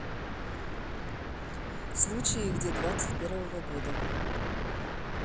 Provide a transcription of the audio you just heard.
случаи где двадцать первого года